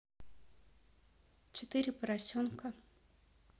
четыре поросенка